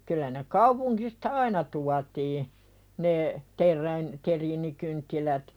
kyllä ne kaupungista aina tuotiin ne - terriinikynttilät